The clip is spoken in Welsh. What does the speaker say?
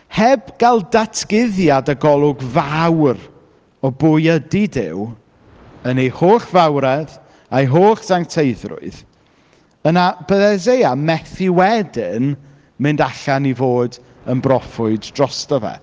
Heb gael datguddiad a golwg fawr o bwy ydy Duw, yn ei holl fawredd a'i holl sancteiddrwydd, yna bydde Eseia methu wedyn mynd allan i fod yn broffwyd drosto fe.